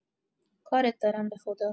کارت دارم بخدا